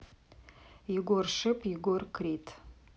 егор шип егор крид